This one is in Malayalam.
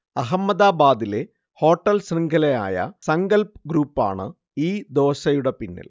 അഹമ്മദാബാദിലെ ഹോട്ടൽ ശൃംഘലയായ സങ്കൽപ് ഗ്രൂപ്പാണ് ഈ ദോശയുടെ പിന്നിൽ